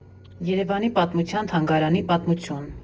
Երևանի պատմության թանգարանի պատմություն։